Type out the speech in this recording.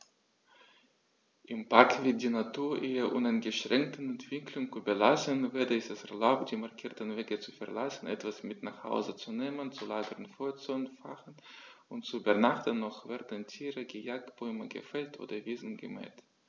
Im Park wird die Natur ihrer uneingeschränkten Entwicklung überlassen; weder ist es erlaubt, die markierten Wege zu verlassen, etwas mit nach Hause zu nehmen, zu lagern, Feuer zu entfachen und zu übernachten, noch werden Tiere gejagt, Bäume gefällt oder Wiesen gemäht.